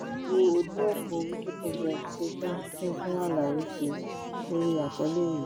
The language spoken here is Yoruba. Wó ojú-òpó Wikiprogress post-2015 fún àlàyé síi lórí àkọ́lé yìí.